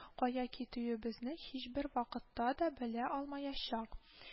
Кая китүебезне һичбер вакытта да белә алмаячак